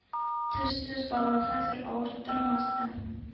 Түз, түз, балам... хәзер... авырттырмас та.